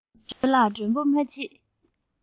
ཞོལ ལ མགྲོན པོ མ མཆིས